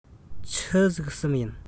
ཆི ཟིག གསུམ ཡིན